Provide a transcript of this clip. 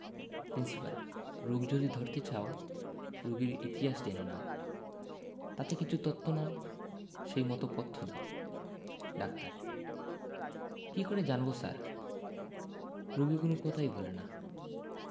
principal রোগ যদি ধরতে চাও রোগীর ইতিহাস জেনে নাও তাতে কিছু তথ্য নাও সেই মত পথ্য দাও ডাক্তার কি করে জানব স্যার রোগী কোন কথাই বলে না